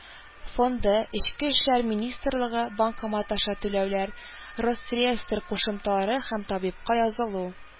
Фонды, эчке эшләр министрлыгы (банкомат аша түләүләр), росреестр кушымталары һәм табибка язылу